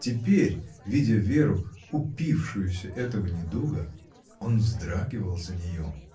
Теперь, видя Веру, упившеюся этого недуга, он вздрагивал за нее.